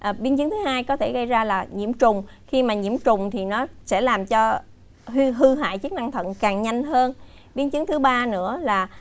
à biến chứng thứ hai có thể gây ra là nhiễm trùng khi mà nhiễm trùng thì nó sẽ làm cho hư hư hại chức năng thận càng nhanh hơn biến chứng thứ ba nữa là